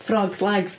Frog's legs.